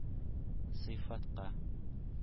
Сыйфатка